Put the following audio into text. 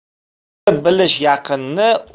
ko'rib bilish yaqinni